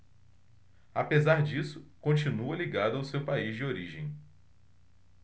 apesar disso continua ligado ao seu país de origem